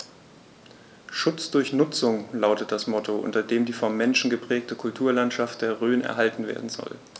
„Schutz durch Nutzung“ lautet das Motto, unter dem die vom Menschen geprägte Kulturlandschaft der Rhön erhalten werden soll.